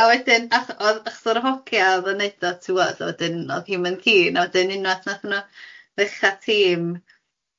A wedyn ach- oedd acho o'r hogia oedd yn neud o tibod a wedyn oedd hi'm yn keen a wedyn unwaith nath nhw ddechra tîm